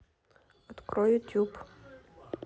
открой ютьюб